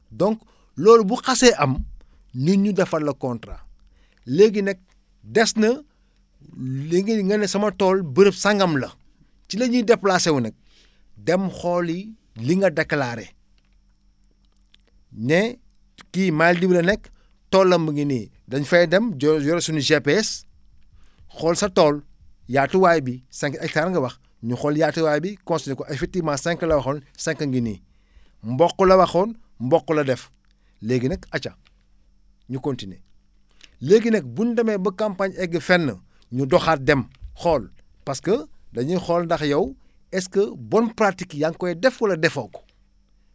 donc loolu bu xasee am énun ñu defal la contrat léegi nag des na li ngay nga ne sama tool bërëb sangam la ci la ñuy déplacer wu nag dem xool li li nga déclaré ne kii ù la nekk toolam mu ngi nii dañ fay dem jo yore suñu GPS xool sa tool yaatuwaay bi cinq hectares nga wax ñu xool yaatuwaay bi constaté ko effectivement cinq la waxoon cinq a ngi nii mboq la waxoon mboq la def léegi nag acca ñu continuer léegi nag buñ demee ba campagne egg fenn ñu doxaat dem xool parce que dañuy xool ndax yow est ce que bonne pratique yi yaa ngi koy def wala defoo ko